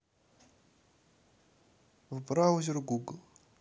в браузер google